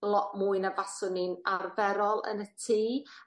lot mwy na faswn i'n arferol yn y tŷ